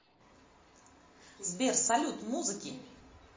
сбер салют музыки